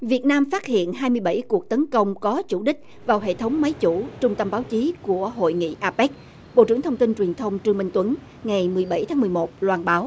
việt nam phát hiện hai mươi bảy cuộc tấn công có chủ đích vào hệ thống máy chủ trung tâm báo chí của hội nghị a pếch bộ trưởng thông tin truyền thông trương minh tuấn ngày mười bảy tháng mười một loan báo